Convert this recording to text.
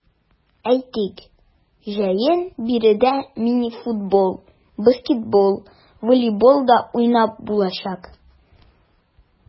Әйтик, җәен биредә мини-футбол, баскетбол, волейбол да уйнап булачак.